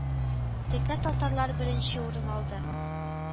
Текә татарлар беренче урын алды